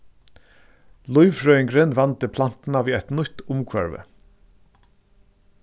lívfrøðingurin vandi plantuna við eitt nýtt umhvørvi